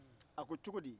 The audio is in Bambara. a ko cogodi